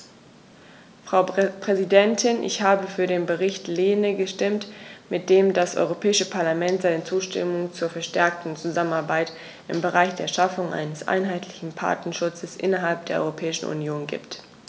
Frau Präsidentin, ich habe für den Bericht Lehne gestimmt, mit dem das Europäische Parlament seine Zustimmung zur verstärkten Zusammenarbeit im Bereich der Schaffung eines einheitlichen Patentschutzes innerhalb der Europäischen Union gibt.